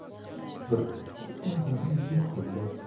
bir nafaslik muhabbat